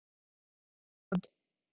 год